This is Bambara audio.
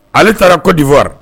Ale taara ko diwa